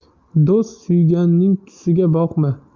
do'st suyganning tusiga boqma